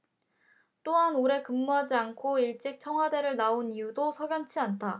또한 오래 근무하지 않고 일찍 청와대를 나온 이유도 석연치 않다